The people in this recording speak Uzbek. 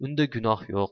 unda gunoh yo'q